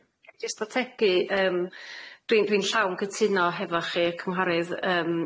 Ga i jyst ategu yym, dwi- dwi'n llawn gytuno efo chi, Cynghorydd. Yym.